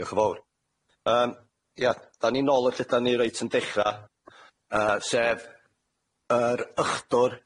Diolch yn fowr. Yym ia, 'dan ni nôl y lle 'da ni reit yn dechra', yy sef yr ychdwr